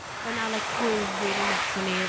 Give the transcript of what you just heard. Oedd 'na like, crew rili nuts o ni.